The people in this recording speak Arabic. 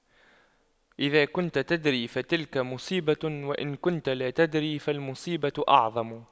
إذا كنت تدري فتلك مصيبة وإن كنت لا تدري فالمصيبة أعظم